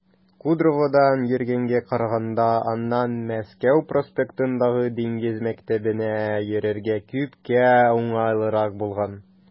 Кудроводан йөргәнгә караганда аннан Мәскәү проспектындагы Диңгез мәктәбенә йөрергә күпкә уңайлырак булган.